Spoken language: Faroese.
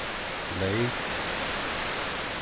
leyk